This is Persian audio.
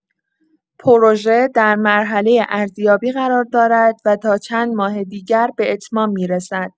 پروژه در مرحله ارزیابی قرار دارد و تا چند ماه دیگر به اتمام می‌رسد.